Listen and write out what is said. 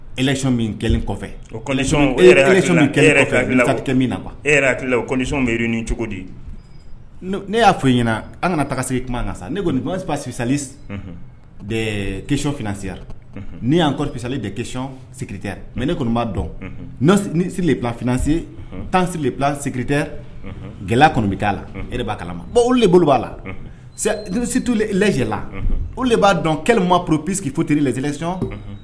E min na kuwa cogo di ne y'a fɔ i ɲɛna an kana taa se kuma kan sa ne kɔnisalisi keɔn fsiyara ni y'ansali de kecon site mɛ ne kɔni b'a dɔnsila fse tansilate gɛlɛya kɔni bɛ t'a la e b'a kalama bon olu de bolo b'a lasitu lajɛla olu de b'a dɔn kɛlɛ ma ppsiki foyitiri lajɛc